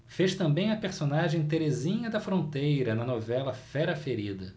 fez também a personagem terezinha da fronteira na novela fera ferida